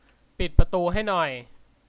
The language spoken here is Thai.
ปิดประตูให้หน่อย